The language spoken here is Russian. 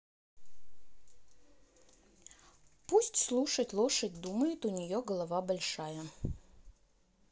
пусть слушать лошадь думает у нее голова большая